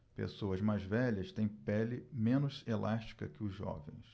pessoas mais velhas têm pele menos elástica que os jovens